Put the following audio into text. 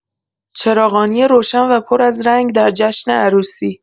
چراغانی روشن و پر از رنگ در جشن عروسی